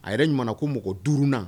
A yɛrɛ ɲɔgɔn ko mɔgɔ duurununa